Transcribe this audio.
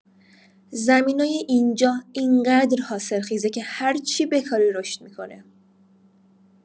زمینای اینجا انقدر حاصلخیزه که هرچی بکاری رشد می‌کنه!